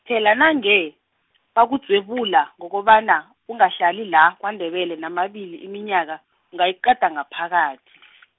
phela nange, bakudzwebula ngokobana, ungahlali la kwaNdebele namibili iminyaka, ungayiqeda ngaphakathi.